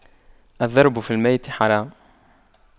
الضرب في الميت حرام